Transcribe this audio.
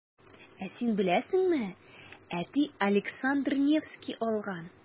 Ә син беләсеңме, әти Александр Невский алган.